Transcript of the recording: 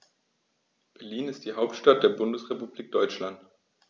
Berlin ist die Hauptstadt der Bundesrepublik Deutschland.